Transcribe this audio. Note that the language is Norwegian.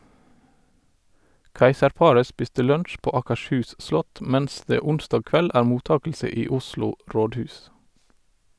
Keiserparet spiste lunsj på Akershus slott, mens det onsdag kveld er mottakelse i Oslo rådhus.